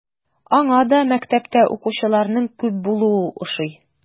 Аңа да мәктәптә укучыларның күп булуы ошый.